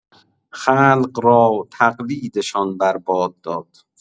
خلق را تقلیدشان برباد داد!